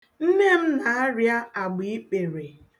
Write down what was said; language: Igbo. Nne m na-arịa agbaikpere.